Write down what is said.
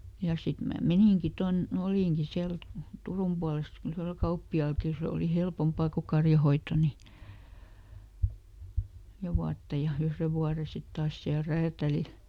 ja sitten minä meninkin tuonne olinkin siellä Turun puolessa yhdellä kauppiaallakin se oli helpompaa kun karjanhoito niin neljä vuotta ja yhden vuoden sitten taas siellä räätälillä